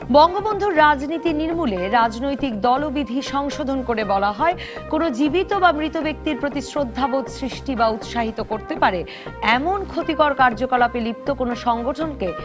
বঙ্গবন্ধু রাজনীতি নির্মূলে রাজনৈতিক দল ও বিধি সংশোধন করে বলা হয় কোন জীবিত বা মৃত ব্যক্তির প্রতি শ্রদ্ধাবোধ সৃষ্টি বা উৎসাহিত করতে পারে এমন ক্ষতিকর কার্যকলাপে লিপ্ত কোন সংগঠন কে